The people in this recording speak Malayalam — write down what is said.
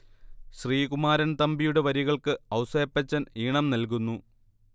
ശ്രീകുമാരൻ തമ്പിയുടെ വരികൾക്ക് ഔസേപ്പച്ചൻ ഈണം നൽകുന്നു